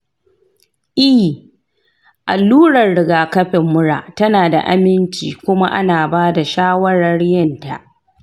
ee, allurar rigakafin mura tana da aminci kuma ana ba da shawarar yinta.